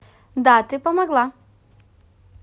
да ты помогла